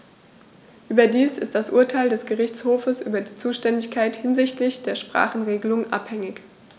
Überdies ist das Urteil des Gerichtshofes über die Zuständigkeit hinsichtlich der Sprachenregelung anhängig.